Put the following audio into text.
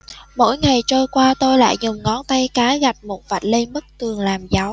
mỗi ngày trôi qua tôi lại dùng ngón tay cái gạch một vạch lên bức tường làm dấu